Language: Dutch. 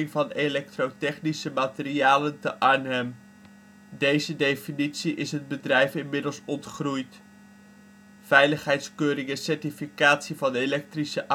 van Elektrotechnische Materialen te Arnhem. Deze definitie is het bedrijf inmiddels ontgroeid. Veiligheidskeuring en certificatie van elektrische apparaten